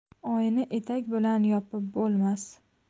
oyni etak bilan yopib bo'lmas